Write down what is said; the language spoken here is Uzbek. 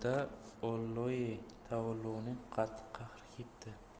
taoloning qattiq qahri kepti